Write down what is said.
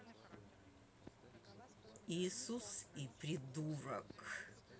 иисус и придурок